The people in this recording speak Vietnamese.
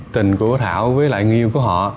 tình của thảo với lại người yêu của họ